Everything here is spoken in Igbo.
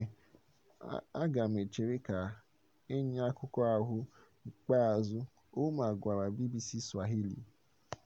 Ya mere, a ga m echere ka e nye akụkọ ahụ n'ikpeazụ, Ouma gwara BBC Swahili.